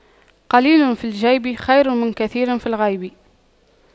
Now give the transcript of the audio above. قليل في الجيب خير من كثير في الغيب